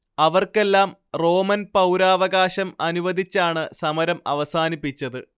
അവർക്കെല്ലാം റോമൻ പൗരാവകാശം അനുവദിച്ചാണ് സമരം അവസാനിപ്പിച്ചത്